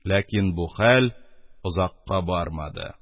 Ләкин бу хәл озакка бармады